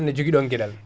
ne jogui ɗon gueɗal